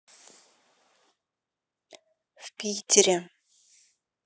в питере